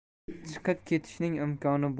chiqib ketishning imkoni